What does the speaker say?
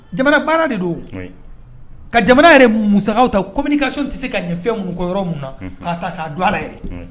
Jamana baara de don, ouais ka jamana yɛrɛ musakaw ta communication tɛ se ka ɲɛ fɛn minnu kɔ, yɔrɔ minnu na, ouais ka ta k'a don a la yen.